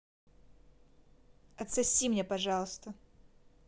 отсоси мне пожалуйста